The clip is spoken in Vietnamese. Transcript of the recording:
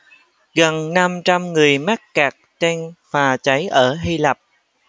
gần năm trăm người mắc kẹt trên phà cháy ở hi lạp